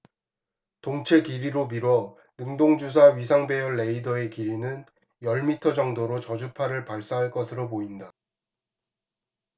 동체 길이로 미뤄 능동주사 위상 배열 레이더의 길이는 열 미터 정도로 저주파 를 발사할 것으로 보인다